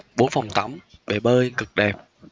bốn phòng tắm bể bơi cực đẹp